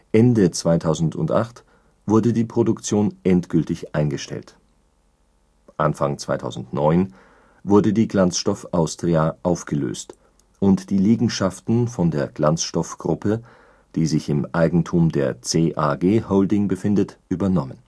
Ende 2008 wurde die Produktion endgültig eingestellt, Anfang 2009 wurde die Glanzstoff Austria aufgelöst und die Liegenschaften von der Glanzstoff-Gruppe, die sich im Eigentum der CAG Holding befindet, übernommen